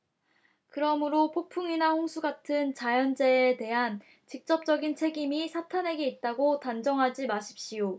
그러므로 폭풍이나 홍수 같은 자연재해에 대한 직접적인 책임이 사탄에게 있다고 단정하지 마십시오